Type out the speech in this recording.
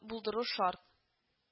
Булдыру шарт